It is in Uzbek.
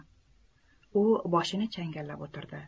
u boshini changallab o'tirdi